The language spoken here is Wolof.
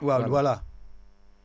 voi voilà